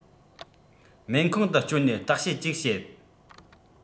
སྨན ཁང དུ བསྐྱོད ནས བརྟག དཔྱད ཅིག བྱེད